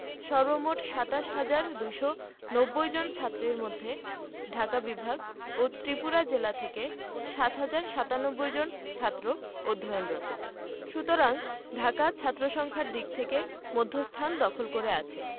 সর্বমোট ২৭ হাজার ২৯০ জন ছাত্রের মধ্যে ঢাকা বিভাগ ও ত্রিপুরা জেলা থেকে ৭ হাজার ৯৭ জন ছাত্র অধ্যয়নরত সুতরাং ঢাকা ছাত্রসংখ্যার দিক থেকে মধ্যস্থান দখল করে আছে